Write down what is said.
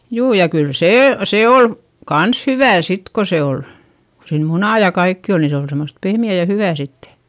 juu ja kyllä se se oli kanssa hyvää sitten kun se oli kun siinä munaa ja kaikkea oli niin se oli semmoista pehmeää ja hyvää sitten